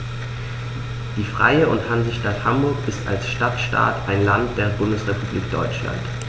Die Freie und Hansestadt Hamburg ist als Stadtstaat ein Land der Bundesrepublik Deutschland.